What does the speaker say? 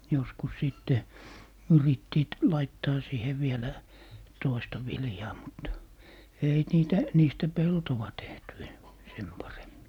joskus sitten yrittivät laittaa siihen vielä toista viljaa mutta ei niitä niistä peltoa tehty - sen paremmin